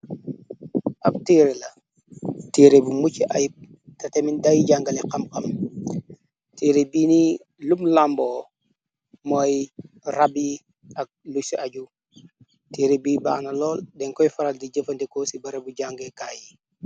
Ab tiire la tiire bu mucc ayu te temin day jàngale xam xam tiire biini lum lamboo mooy rab yi ak lu s aju tiire bi baana lool den koy faral di jëfandekoo ci bare bu jangeekaay yi.